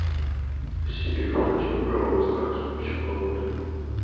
сири включи бравл старс пчеловод